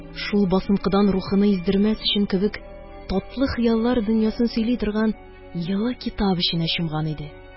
Шул басынкыдан рухыны издермәс өчен кебек, татлы хыяллар дөньясын сөйли торган йылы китап эченә чумган иде.